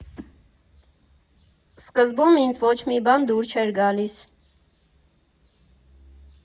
Սկզբում ինձ ոչ մի բան դուր չէր գալիս։